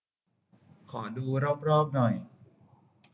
ขอดูรอบรอบหน่อย